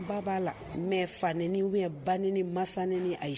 B'a la mɛ fa ni ba ni masa ni ayi